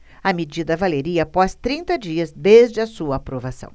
a medida valeria após trinta dias desde a sua aprovação